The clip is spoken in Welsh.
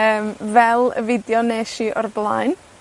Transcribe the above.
Yym, fel y fideo nesh i o'r blaen.